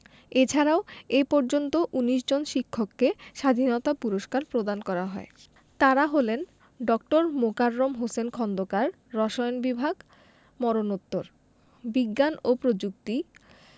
এছাড়াও এ পর্যন্ত ১৯ জন শিক্ষককে স্বাধীনতা পুরস্কার প্রদান করা হয় তাঁরা হলেন ড. মোকাররম হোসেন খন্দকার রসায়ন বিভাগ মরণোত্তর বিজ্ঞান ও প্রযুক্তি